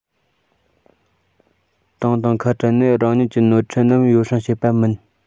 ཏང དང བྲལ ནས རང ཉིད ཀྱི ནོར འཁྲུལ རྣམས ཡོ བསྲང བྱས པ མིན